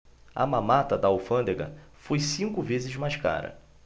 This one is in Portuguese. a mamata da alfândega foi cinco vezes mais cara